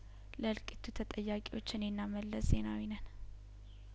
ለእልቂቱ ተጠያቂዎች እኔና መለስ ዜናዊ ነን